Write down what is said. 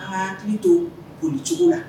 Ha hakili hakili don boli j na